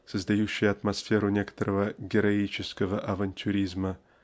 создающее атмосферу некоторого героического авантюризма